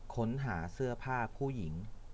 ค้นหาเสื้อผ้าผู้หญิง